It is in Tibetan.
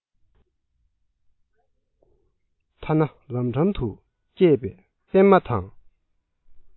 ཐ ན ལམ འགྲམ དུ སྐྱེས པའི སྤེན མ དང